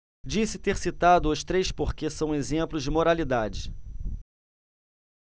disse ter citado os três porque são exemplos de moralidade